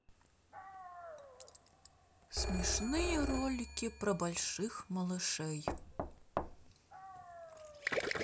смешные ролики про больших малышей